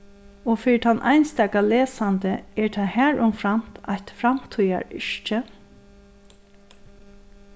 og fyri tann einstaka lesandi er tað harumframt eitt framtíðar yrki